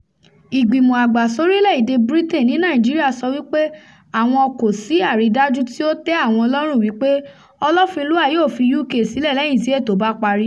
Ìgbìmọ̀ Àgbà Sórílẹ̀-èdè Britain ní Nàìjíríà sọ wípé àwọn kò “sí àrídájú” tí ó tẹ̀ àwọn lọ́rùn wípé Ọlọ́finlúà yóò fi UK sílẹ̀ lẹ́yìn tí ètó bá parí.